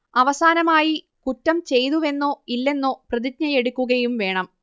അവസാനമായി കുറ്റം ചെയ്തുവെന്നോ ഇല്ലെന്നോ പ്രതിജ്ഞയെടുക്കുകയും വേണം